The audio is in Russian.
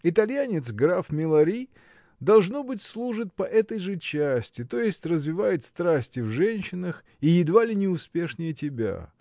Итальянец, граф Милари, должно быть, служит по этой же части, то есть развивает страсти в женщинах, и едва ли не успешнее тебя.